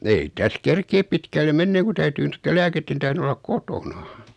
ei tässä kerkeä pitkälle menemään kun täytyy noiden lääkkeiden tähden olla kotona